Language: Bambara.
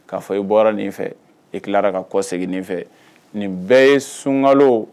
K ka fɔ i bɔra nin fɛ i tilara ka kɔ segin nin fɛ nin bɛɛ ye sunkalo